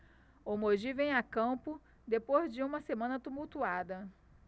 o mogi vem a campo depois de uma semana tumultuada